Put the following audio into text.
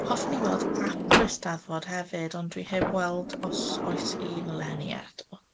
Hoffwn i weld ap yr Eisteddfod hefyd, ond dwi heb weld os oes un eleni eto.